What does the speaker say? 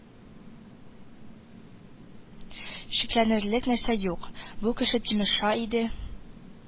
Шикләнерлек нәрсә юк, бу кеше тимерша иде